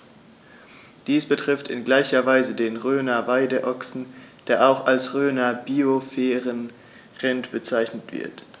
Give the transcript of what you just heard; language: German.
Dies betrifft in gleicher Weise den Rhöner Weideochsen, der auch als Rhöner Biosphärenrind bezeichnet wird.